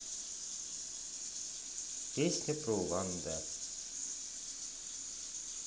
песня про улан удэ